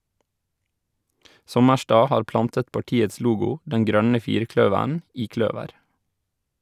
Sommerstad har plantet partiets logo, den grønne firkløveren, i kløver.